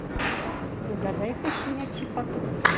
угадай ка щенячий патруль